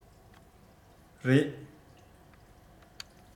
རེད